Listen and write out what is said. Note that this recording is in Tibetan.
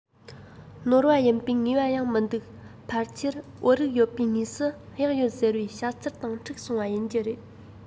ནོར བ ཡིན པའི ངེས པ ཡང མི འདུག ཕལ ཆེར བོད རིགས ཡོད པའི གནས སུ གཡག ཡོད ཟེར བའི བཤད ཚུལ དང འཁྲུག སོང བ ཡིན རྒྱུ རེད